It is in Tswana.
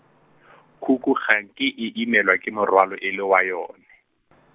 khukhu ga e nke e imelwa ke morwalo e le wa yone .